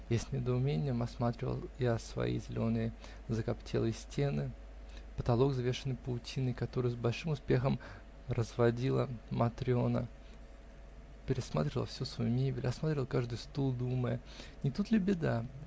-- и с недоумением осматривал я свои зеленые закоптелые стены, потолок, завешанный паутиной, которую с большим успехом разводила Матрена, пересматривал всю свою мебель, осматривал каждый стул, думая, не тут ли беда?